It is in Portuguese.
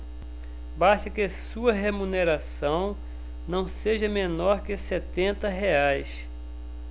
basta que sua remuneração não seja menor que setenta reais